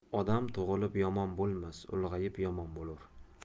odam tug'ilib yomon bo'lmas ulg'ayib yomon bo'lar